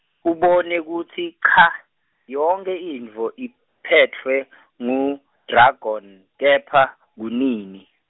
ubone kutsi cha, yonkhe intfo iphetfwe , ngu-dragon kepha, kunini.